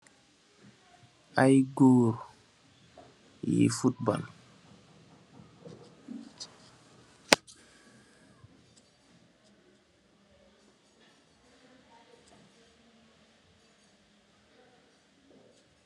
Aye goor yuy football.